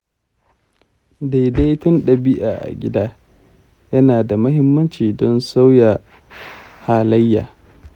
daidaiton ɗabi'a a gida yana da mahimmanci don sauya halayya.